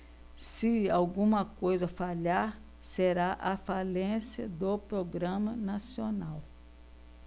se alguma coisa falhar será a falência do programa nacional